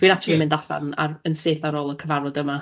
...dwi'n acshyli mynd allan ar yn syth ar ôl y cyfarfod yma.